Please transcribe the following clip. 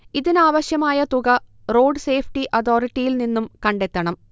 ഇതിനാവശ്യമായ തുക road safety അതോറിറ്റിയിൽ നിന്നും കണ്ടെത്തണം